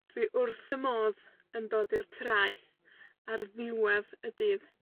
Dwi wrth fy modd yn dod i'r traeth ar ddiwedd y dydd.